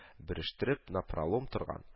Бөрештереп напралум торган: